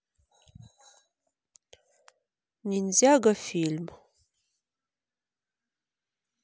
ниндзяго фильм